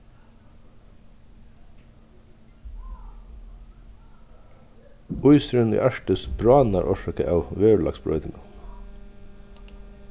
ísurin í arktis bráðnar orsakað av veðurlagsbroytingum